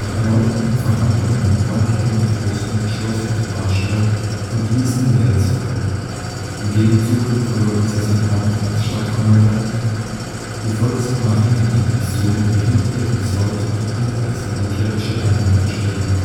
erneuten Verhandlungen räumten die Matrosen Schloss und Marstall und ließen Wels frei. Im Gegenzug verlor dieser sein Amt als Stadtkommandant, die Volksmarinedivision erhielt ihren Sold und blieb als militärische Einheit bestehen